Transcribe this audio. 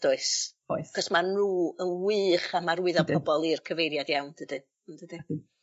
Does? Oes. 'C'os ma' nw yn wych am arwyddo pobol i'r cyfeiriad iawn dydyn? On'd ydyn?